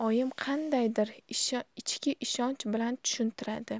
oyim qandaydir ichki ishonch bilan tushuntiradi